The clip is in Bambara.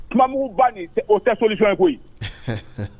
Kumamuguba nin o tɛ solution ye koyi.